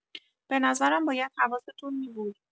به نظرم باید حواستون می‌بود.